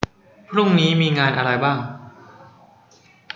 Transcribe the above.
พรุ่งนี้มีงานอะไรบ้าง